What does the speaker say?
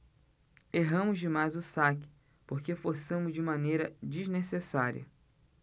erramos demais o saque porque forçamos de maneira desnecessária